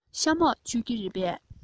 ཤ མོག མཆོད ཀྱི རེད པས